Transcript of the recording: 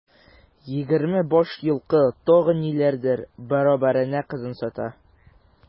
Егерме баш елкы, тагын ниләрдер бәрабәренә кызын сата.